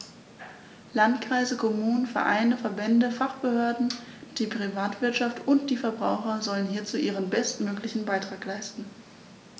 Landkreise, Kommunen, Vereine, Verbände, Fachbehörden, die Privatwirtschaft und die Verbraucher sollen hierzu ihren bestmöglichen Beitrag leisten.